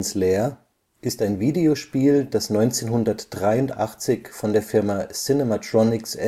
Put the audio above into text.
Lair ist ein Videospiel, das 1983 von der Firma Cinematronics